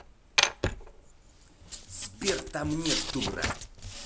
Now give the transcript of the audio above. сбер там нет дура